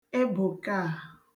ebòkàà